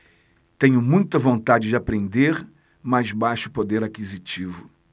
tenho muita vontade de aprender mas baixo poder aquisitivo